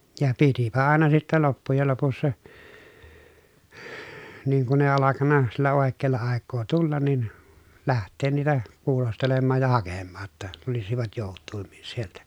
ja pitipä aina sitten loppujen lopussa niin kun ei alkanut sillä oikealla aikaa tulla niin lähteä niitä kuulostelemaan ja hakemaan jotta tulisivat joutuimmin sieltä